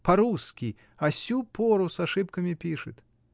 по-русски о сю пору с ошибками пишет.